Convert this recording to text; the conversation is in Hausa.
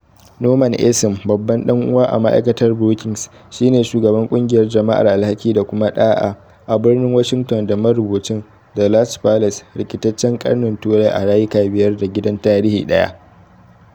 Norman Eisen, babban dan’uwa a ma’aikatar Brookings, shi ne shugaban kungiyar Jama'ar Alhaki da kuma da’a, a Birnin Washington da marubucin "The Last Palace: Rikitaccen karnin Turai a rayuka biyar da gidan tarihi daya.”